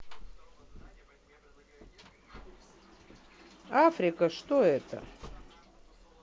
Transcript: африка что это